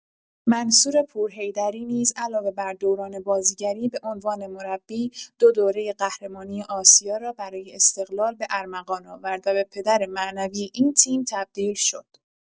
منصور پورحیدری نیز علاوه بر دوران بازیگری، به عنوان مربی دو دوره قهرمانی آسیا را برای استقلال به ارمغان آورد و به پدر معنوی این تیم تبدیل شد.